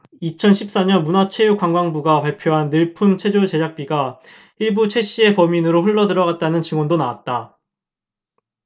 이천 십 사 년 문화체육관광부가 발표한 늘품체조 제작비 일부가 최씨의 법인으로 흘러들어 갔다는 증언도 나왔다